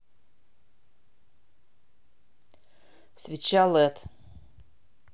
свеча лед